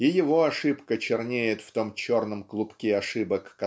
И его ошибка чернеет в том черном клубке ошибок